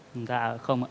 dạ không ạ